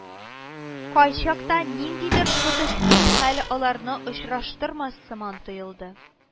Кайчакта ниндидер коточкыч хәл аларны очраштырмас сыман тоелды